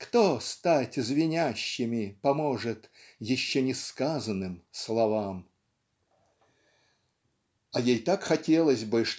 Кто стать звенящими поможет Еще не сказанным словам? А ей так хотелось бы